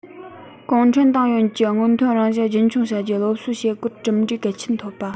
གུང ཁྲན ཏང ཡོན གྱི སྔོན ཐོན རང བཞིན རྒྱུན འཁྱོངས བྱ རྒྱུའི སློབ གསོའི བྱེད སྒོར གྲུབ འབྲས གལ ཆེན ཐོབ པ